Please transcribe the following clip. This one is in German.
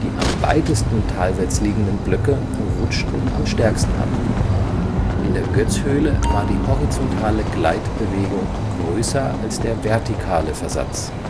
am weitesten talwärts liegenden Blöcke rutschten am stärksten ab. In der Goetz-Höhle war die horizontale Gleitbewegung größer als der vertikale Versatz